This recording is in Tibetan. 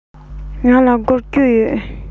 ང ལ སྒོར བཅུ ཡོད